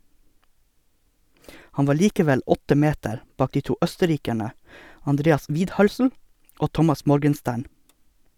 Han var likevel åtte meter bak de to østerrikerne Andreas Widhölzl og Thomas Morgenstern.